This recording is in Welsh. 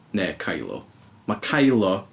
Neu Kylo. Ma' Kylo...